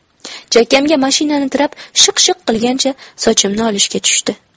chakkamga mashinani tirab shiq shiq qilgancha sochimni olishga tushdi